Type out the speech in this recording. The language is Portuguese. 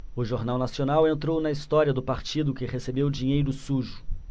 o jornal nacional entrou na história do partido que recebeu dinheiro sujo